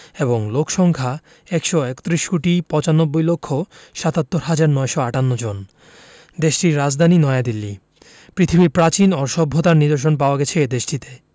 এবং লোক সংখ্যা ১৩১ কোটি ৯৫ লক্ষ ৭৭ হাজার ৯৫৮ জন দেশটির রাজধানী নয়াদিল্লী পৃথিবীর প্রাচীন ও সভ্যতার নিদর্শন পাওয়া গেছে এ দেশটিতে